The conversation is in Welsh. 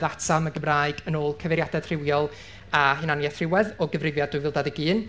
ddata am y Gymraeg yn ôl cyfeiriadaeth rhywiol a hunaniaeth rhywedd o gyfrifiad dwy fil dau ddeg un